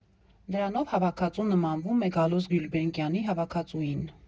Դրանով հավաքածուն նմանվում է Գալուստ Գյուլբենկյանի հավաքածուին.